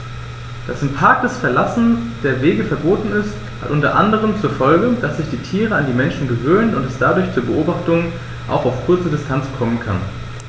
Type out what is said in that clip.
Dass im Park das Verlassen der Wege verboten ist, hat unter anderem zur Folge, dass sich die Tiere an die Menschen gewöhnen und es dadurch zu Beobachtungen auch auf kurze Distanz kommen kann.